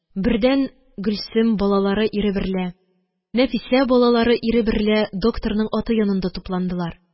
Бердән Гөлсем – балалары, ире берлә, Нәфисә – балалары, ире берлә докторның аты янында тупландылар.